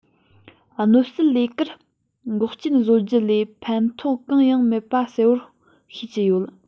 གནོད སེལ ལས ཀར འགོག རྐྱེན བཟོ རྒྱུ ལས ཕན ཐོག གང ཡང མེད པ གསལ པོ ཤེས ཀྱི ཡོད